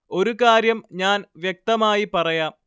ഒരു കാര്യം ഞാൻ വ്യക്തമായി പറയാം